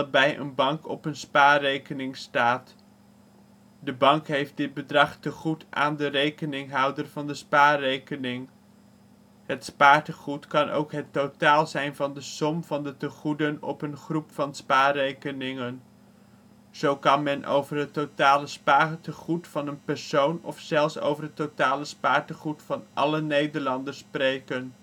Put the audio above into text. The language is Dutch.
bij een bank op een spaarrekening staat. De bank heeft dit bedrag tegoed aan de rekeninghouder van de spaarrekening. Het spaartegoed kan ook het totaal zijn van de som van de tegoeden op een groep van spaarrekeningen. Zo kan men over het totale spaartegoed van een persoon of zelfs over het totale spaartegoed van alle Nederlanders spreken